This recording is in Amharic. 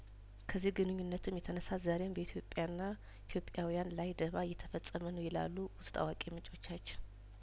ከዚህ ግንኙነትም የተነሳ ዛሬም በኢትዮጵያ ና ኢትዮጵያዊያን ላይ ደባ እየተፈጸመ ነው ይላሉ ውስጥ አዋቂ ምንጮቻችን